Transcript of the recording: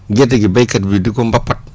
gerte gi béykat bi di ko mbapat